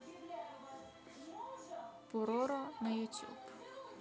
пороро на ютубе